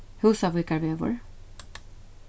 húsavíkarvegur